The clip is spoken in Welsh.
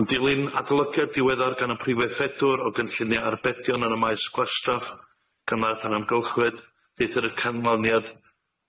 Yn dilyn adolygiad diweddar gan y Prif Weithredwr o gynllunie arbedion yn y maes gwastraff, cynnar dan ymgylchwyd neith yr y canlyniad